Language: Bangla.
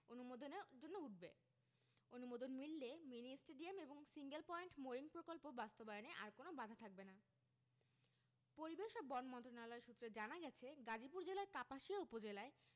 অনুমোদনে জন্য উঠবে অনুমোদন মিললে মিনি স্টেডিয়াম এবং সিঙ্গেল পয়েন্ট মোরিং প্রকল্প বাস্তবায়নে কোনো বাধা থাকবে না পরিবেশ ও বন মন্ত্রণালয় সূত্রে জানা গেছে গাজীপুর জেলার কাপাসিয়া উপজেলায়